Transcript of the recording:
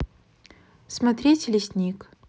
смотреть лесник